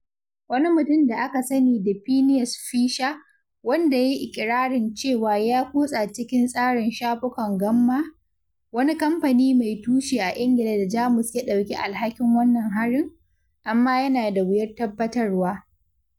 Wani mutum da aka sani da “Phineas Fisher”, wanda ya yi iƙirarin cewa ya kutsa cikin tsarin shafukan Gamma, wani kamfani mai tushe a Ingila da Jamus ya ɗauki alhakin wannan harin, amma yana da wuyar tabbatarwa.